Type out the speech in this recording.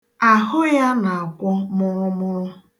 Ahụ ya na-akwọ mụrụmụrụ.